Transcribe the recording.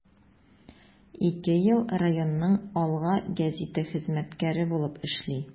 Ике ел районның “Алга” гәзите хезмәткәре булып эшли.